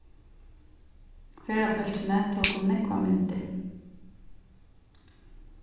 ferðafólkini tóku nógvar myndir